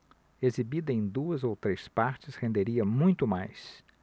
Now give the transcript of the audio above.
exibida em duas ou três partes renderia muito mais